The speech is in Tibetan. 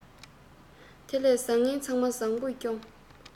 དེ ལས བཟང ངན ཚང མ བཟང པོས སྐྱོངས